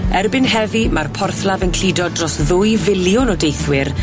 Erbyn heddi ma'r porthladd yn cludo dros ddwy filiwn o deithwyr